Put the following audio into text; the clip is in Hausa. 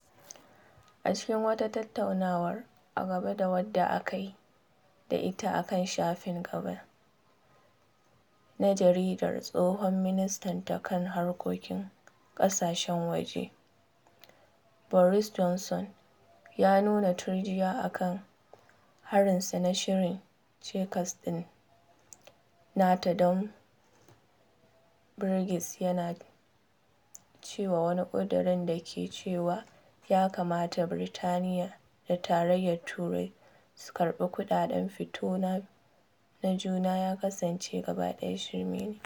A cikin wata tattaunawar a gaba da wadda aka yi da ita a kan shafin gaba na jaridar, tsohon ministanta kan harkokin ƙasashen waje Boris Johnson ya nuna turjiya a kan harinsa na shirin Chequers ɗin nata don Brexit, yana cewa wani ƙudurin da ke cewa ya kamata Birtaniyya da Tarayyar Turai su karɓi kuɗaɗen fito na juna ya kasance “gaba ɗaya shirme ne.”